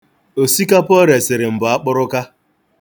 Osikapa o resiri m bụ akpụrụka.